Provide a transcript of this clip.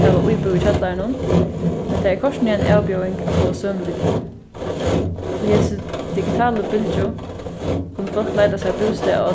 hava íbúð í kjallaranum men tað er kortini ein avbjóðing at fáa sømilig boð í hesi digitalu bylgju kunnu fólk leita sær bústað á